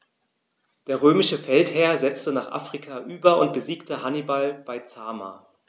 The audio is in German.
Der römische Feldherr setzte nach Afrika über und besiegte Hannibal bei Zama.